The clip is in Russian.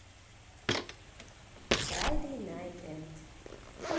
friday night and